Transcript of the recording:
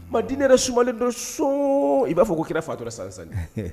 Ma diinɛ yɛrɛ sumanlen don so i b'a fɔ ko kira fatura sansan